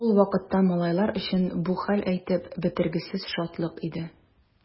Ул вакытта малайлар өчен бу хәл әйтеп бетергесез шатлык иде.